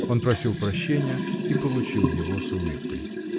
Он просил прощения и получил его с улыбкой.